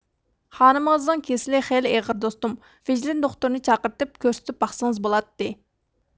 خانىمىڭىزنىڭ كېسىلى خېلى ئېغىر دوستۇم فېژلىن دوختۇرنى چاقىرتىپ كۆرسىتىپ باقسىڭىز بولاتتى